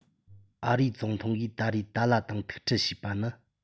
ཨ རིའི ཙུང ཐུང གིས ད རེས ཏཱ ལ དང ཐུག འཕྲད བྱས པ ནི